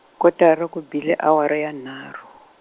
kotara ku bile awara ya nharu.